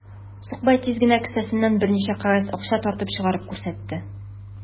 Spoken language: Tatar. Сукбай тиз генә кесәсеннән берничә кәгазь акча тартып чыгарып күрсәтте.